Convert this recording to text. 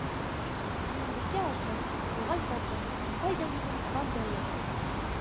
Сөембикә атым, нугай затым, кайда минем хан дәүләтем,